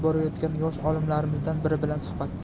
borayotgan yosh olimlarimizdan biri bilan suhbat